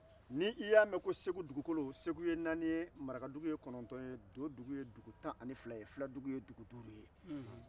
n'i y'a mɛn ko segu dugukolo segu ye naani ye marakadugu ye kɔnɔntɔn ye dodugu ye dugu tan ni fila ye filadugu ye dugu duuru ye